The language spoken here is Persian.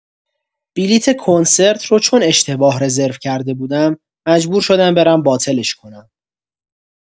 بلیت کنسرت رو چون اشتباه رزرو کرده بودم، مجبور شدم برم باطلش کنم.